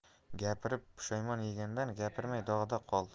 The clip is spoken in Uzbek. gapirib pushaymon yegandan gapirmay dog'da qol